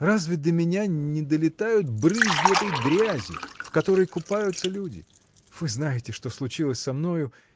Разве до меня не долетают брызги этой грязи, в которой купаются люди? Вы знаете что случилось со мною